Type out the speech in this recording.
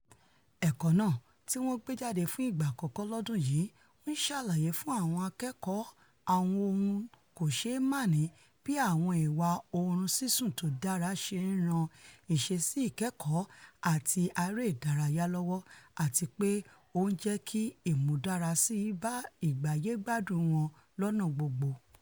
Ẹ̀kọ́ náà, tíwọ́n gbé jáde fún ìgbà àkọ́kọ́ lọ́dún yìí, ń ṣàlàyé fún àwọn akẹ́kọ̀ọ́ àwọn ohun kòṣeémáàní bí àwọn ìwà oorun sísùn tódára ṣe ńran ìṣeṣí ìkẹ́kọ̀ọ́ àti aré ìdárayá lọ́wọ́, àtipé ó ń jẹ́kí ìmúdárasíi bá ìgbáyé-gbádùn wọn lọ́nà gbogbo.